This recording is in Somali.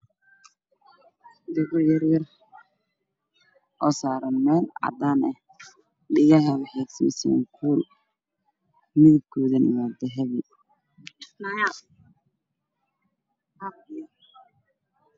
Waa dhago laba haba oo saaran meel caddaan midafkooda waa dahabi